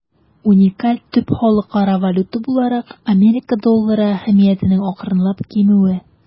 Уникаль төп халыкара валюта буларак Америка доллары әһәмиятенең акрынлап кимүе.